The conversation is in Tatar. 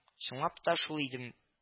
Чынлап та шул идем